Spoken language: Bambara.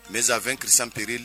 Mɛ zan2prissanpereril